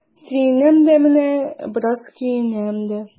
Сөенәм дә менә, бераз көенәм дә.